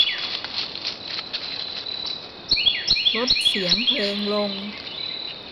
ลดเสียงเพลงลง